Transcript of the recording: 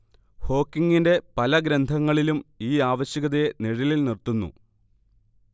ഹോക്കിങ്ങിന്റെ പല ഗ്രന്ഥങ്ങളിലും ഈ ആവശ്യകതയെ നിഴലിൽ നിർത്തുന്നു